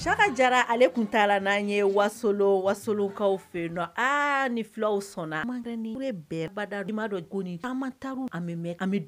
Saka Jara ale tun taara n'an ye wasolon, wasolonkaw fɛ nɔ, aa ni fila sɔnna